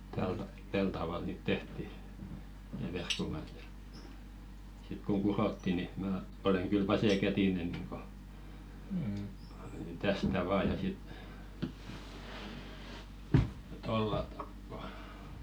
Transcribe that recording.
tällä - tällä tavalla niitä tehtiin ne verkon kannat sitten kun kudottiin niin minä olen kyllä vasenkätinen niin kuin tästä vain ja sitten tuolla tapaa